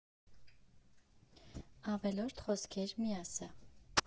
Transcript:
Ավելորդ խոսքեր մի՛ ասա։